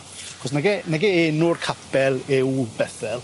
Achos nage nage enw'r capel yw Bethel.